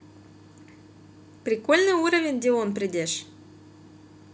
прикольный уровень деон придеш